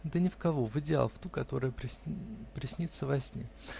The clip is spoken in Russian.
-- Да ни в кого, в идеал, в ту, которая приснится во сне.